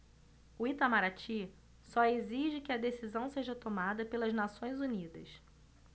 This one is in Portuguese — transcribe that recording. o itamaraty só exige que a decisão seja tomada pelas nações unidas